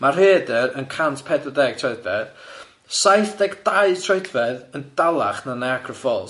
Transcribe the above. Ma'r rheadr yn cant pedwar deg troedfedd, saith deg dau troedfedd yn dalach na Niagara Falls.